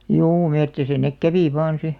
juu metsissä ne kävi vain sitten